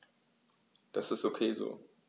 Das ist ok so.